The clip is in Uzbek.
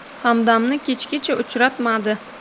hamdamni kechgacha uchratmadi